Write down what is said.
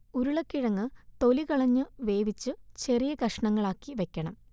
ഉരുളക്കിഴങ്ങു തൊലി കളഞ്ഞു വേവിച്ചു ചെറിയ കഷണങ്ങളാക്കി വയ്ക്കണം